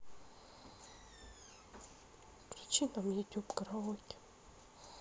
включи нам ютуб караоке